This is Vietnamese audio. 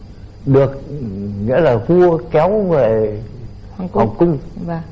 được nghĩa là vua kéo về hoàng cung